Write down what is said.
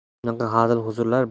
shunaqa hazil huzullar